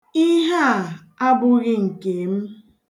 Ihe a abụghị nke m.